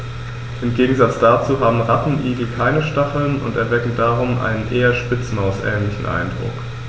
Im Gegensatz dazu haben Rattenigel keine Stacheln und erwecken darum einen eher Spitzmaus-ähnlichen Eindruck.